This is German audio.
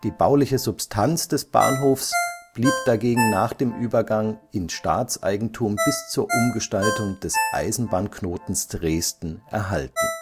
bauliche Substanz des Bahnhofs blieb dagegen nach dem Übergang in Staatseigentum bis zur Umgestaltung des Eisenbahnknotens Dresden erhalten